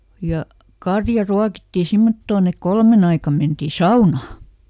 ja karja ruokittiin semmottoon että kolmen aikaan mentiin saunaan